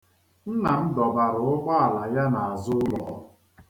Nna m dọbara ụgbọala ya n'azụ ụlọ.